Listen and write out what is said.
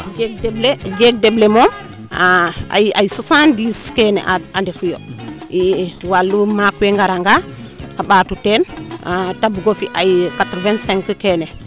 jeeg deɓ le jeeg deɓ le moom ay soixante dix keene a ndefu yo i walu maak we a ngara nga a mbaatu teen te bugof i aya quatre vingt cinq keene